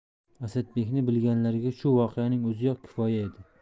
asadbekni bilganlarga shu voqeaning o'ziyoq kifoya edi